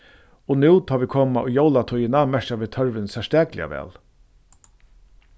og nú tá vit koma í jólatíðina merkja vit tørvin serstakliga væl